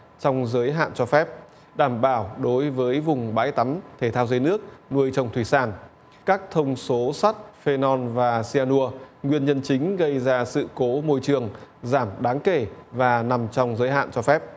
trong giới hạn cho phép đảm bảo đối với vùng bãi tắm thể thao dưới nước nuôi trồng thủy sản các thông số sắt phê nôn và xê nua nguyên nhân chính gây ra sự cố môi trường giảm đáng kể và nằm trong giới hạn cho phép